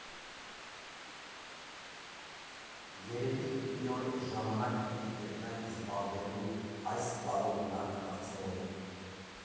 Երևի մի օր ժամանակ պիտի գտնեմ զբաղվելու այս տարողունակ հարցերով։